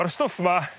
A'r stwff 'ma